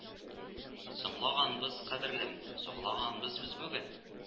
—соңлаганбыз, кадерлем, соңлаганбыз без бүген